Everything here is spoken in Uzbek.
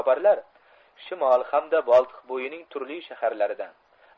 choparlar shimol hamda boltiqbo'yining turli shaharlaridan